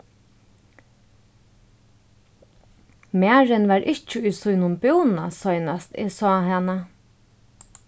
marin var ikki í sínum búna seinast eg sá hana